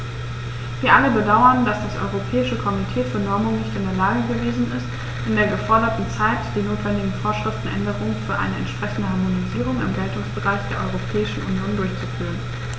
Wir alle bedauern, dass das Europäische Komitee für Normung nicht in der Lage gewesen ist, in der geforderten Zeit die notwendige Vorschriftenänderung für eine entsprechende Harmonisierung im Geltungsbereich der Europäischen Union durchzuführen.